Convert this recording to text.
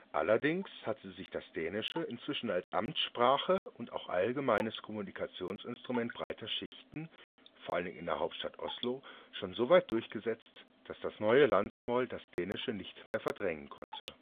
Allerdings hatte sich das Dänische inzwischen als Amtssprache und auch allgemeines Kommunikationsinstrument breiter Schichten vor allem in der Hauptstadt Oslo schon so weit durchgesetzt, dass das neue Landsmål das Dänische nicht mehr verdrängen konnte